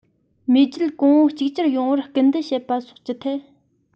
མེས རྒྱལ གོང བུ གཅིག གྱུར ཡོང བར སྐུལ འདེད བྱེད པ སོགས ཀྱི ཐད